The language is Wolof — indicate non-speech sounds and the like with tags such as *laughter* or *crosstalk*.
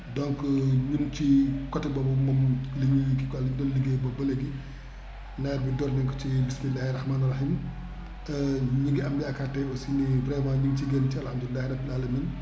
donc *hesitation* ñun ci côté boobu moom la ñuy kii quoi ñu ngi koy liggéey boobu ba léegi nawet bi door nañ ko ci bisimilahi rahmaani rahiim *hesitation* ñu ngi am yaakaar te aussi vraiment ñu ngi ciy génn ci alhamdulilahi rabil aalamiin